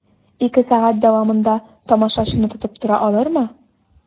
Ике сәгать дәвамында тамашачыны тотып тора алырмы?